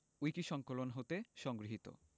উইকিসংকলন হতে সংগৃহীত